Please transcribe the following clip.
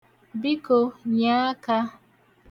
Biko, nyee aka.